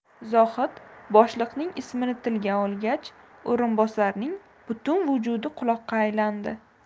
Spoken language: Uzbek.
zohid boshliqning ismini tilga olgach o'rinbosarning butun vujudi quloqqa aylandi